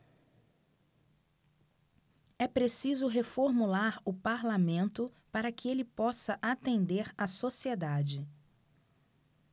é preciso reformular o parlamento para que ele possa atender a sociedade